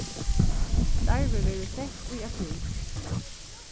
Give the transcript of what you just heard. starvið verður sett í apríl